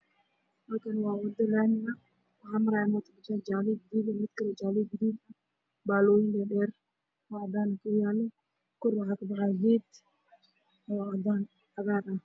Meeshaan waa dalaami ah waxaan maraya mooto bajaaj bajaaj waa gidduud geesiheeda waxaa ka dhisan laamiga guryar aad dheer